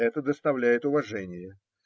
Это доставляет уважение.